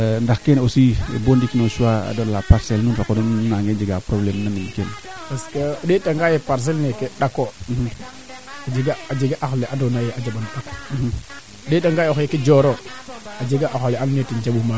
d' acoord bo ndiik no choix des parcelle xayna awaa rok kam fee parce que o ndeeta ngaan dés fois ñakee kam pinke nuun wala boog sax no xa qola xe nuun o ga o qola ando naye a ndat kaa gara a xaañ kam fee